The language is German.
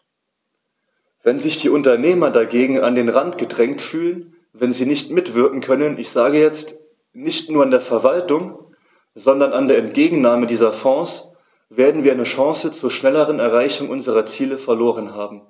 Wenn sich die Unternehmer dagegen an den Rand gedrängt fühlen, wenn sie nicht mitwirken können ich sage jetzt, nicht nur an der Verwaltung, sondern an der Entgegennahme dieser Fonds , werden wir eine Chance zur schnelleren Erreichung unserer Ziele verloren haben.